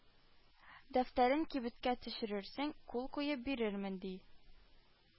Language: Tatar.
Дәфтәрен кибеткә төшерерсең, кул куеп бирермен», – ди